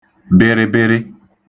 bịrịbịrị